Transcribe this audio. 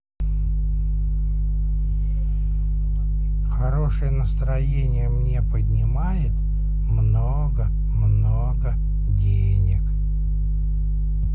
хорошее настроение мне поднимает много много денег